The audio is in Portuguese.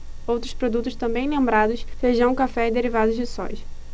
outros produtos também lembrados feijão café e derivados de soja